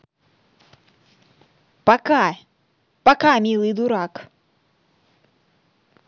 пока пока милый дурак